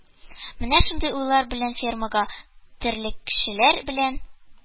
Менә шундый уйлар белән фермага, терлекчеләр белән